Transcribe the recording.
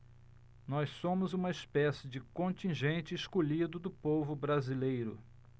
nós somos uma espécie de contingente escolhido do povo brasileiro